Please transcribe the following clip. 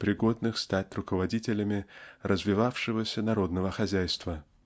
пригодных стать руководителями развивавшегося народного хозяйства.